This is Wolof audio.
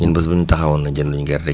ñun bés bu ñu taxawoon ne jënduñ gerte